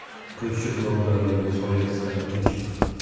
qiyshiq novdaning soyasi ham qiyshiq